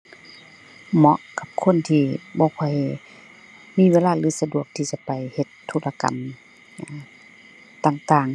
เหมาะกับคนที่บ่ค่อยมีเวลาหรือสะดวกที่จะไปเฮ็ดธุรกรรมหยัง ต่างต่าง